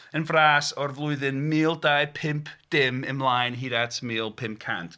Yn fras o'r flwyddyn mil dau pump dim ymlaen, hyd at mil pump cant.